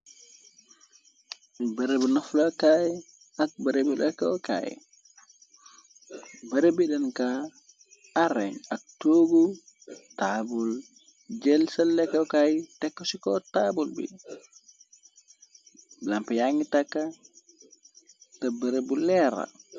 Barëbbu naflokaay ak barb ekokaay bara bi denka aren ak tóogu taabul jël sa lekkokaay tekk ci ko taabul bi blamp yangi takka te bërëbu leera.